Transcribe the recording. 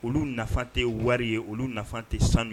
Olu nafa tɛ wari ye olu nafa tɛ sanu